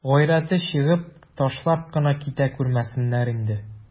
Гайрәте чигеп, ташлап кына китә күрмәсеннәр инде.